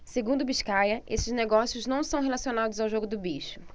segundo biscaia esses negócios não são relacionados ao jogo do bicho